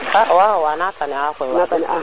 a wa wawaw ana tane a koy wax deg